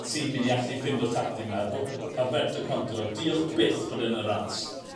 sy myn' i allu i ffindo tacteg 'na fo- b- Alberto Contador. Diolch byth bod e yn y ras.